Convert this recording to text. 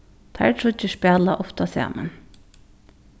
teir tríggir spæla ofta saman